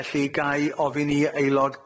Felly ga i ofyn i aelod